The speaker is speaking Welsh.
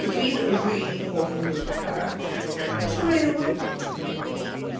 Dwi'n rili hoff o Luca ... mm ...Andrew...